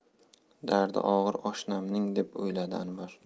dardi og'ir oshnamning deb o'yladi anvar